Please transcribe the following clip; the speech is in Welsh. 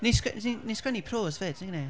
Ni'n sg... ni'n sgwennu prose hefyd nag 'y ni?